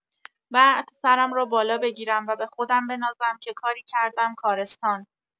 بعد سرم را بالا بگیرم و به خودم بنازم که کاری کردم کارستان!